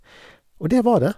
Og det var det.